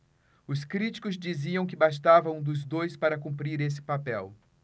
os críticos diziam que bastava um dos dois para cumprir esse papel